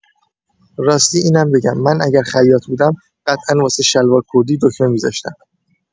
راستی اینم بگم من اگر خیاط بودم قطعا واسه شلوار کردی دکمه می‌زاشتم!